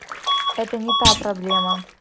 это не та проблема